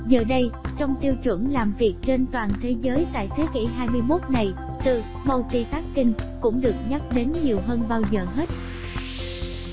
giờ đây trong tiêu chuẩn làm việc trên toàn thế giới tại thế kỷ này từ 'multitasking' cũng được nhắc đến nhiều hơn bao giờ hết